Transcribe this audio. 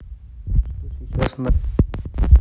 что сейчас на россии